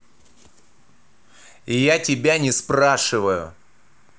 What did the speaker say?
а я не тебя спрашиваю